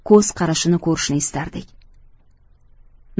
ko'z qarashini ko'rishni istardik